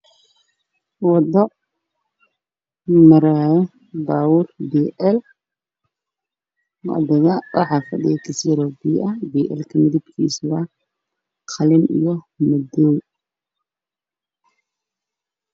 Meeshaan waa waddo waxaa Soo socda gaari madow ah